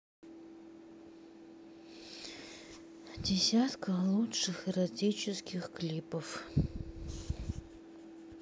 десятка лучших эротических клипов